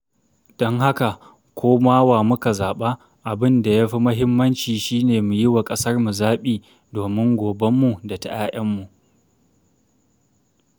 Don haka, ko ma wa muka zaɓa, abin da ya fi muhimmanci shi ne mu yi wa ƙasarmu zaɓi, domin gobenmu da ta 'ya'yanmu.